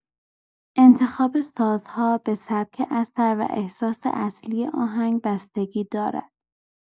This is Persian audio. انتخاب سازها به سبک اثر و احساس اصلی آهنگ بستگی دارد.